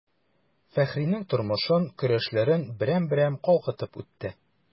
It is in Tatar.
Фәхринең тормышын, көрәшләрен берәм-берәм калкытып үтте.